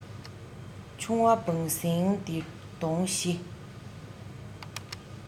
ཆུང བ བམ སྲིང འདྲེ གདོང བཞི